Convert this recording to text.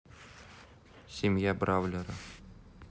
семья бравлера